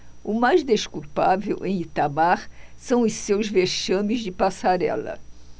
o mais desculpável em itamar são os seus vexames de passarela